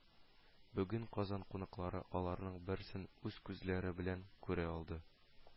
Бүген Казан кунаклары аларның берсен үз күзләре белән күрә алды